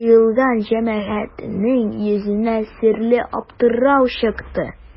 Җыелган җәмәгатьнең йөзенә серле аптырау чыкты.